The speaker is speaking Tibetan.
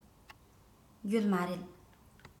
ཡོད མ རེད